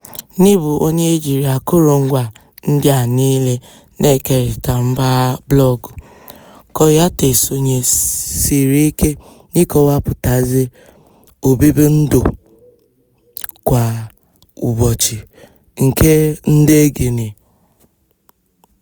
N'ịbụ onye ejiri akụrụngwa ndị a niile na-kerịta mpagha blọọgụ, Kouyaté sonyesiri ike n'ịkọwapụtasị obibi ndụ kwa ụbọchị nke ndị Guinea.